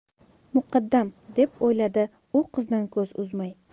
muqaddam deb o'yladi u qizdan ko'z uzmay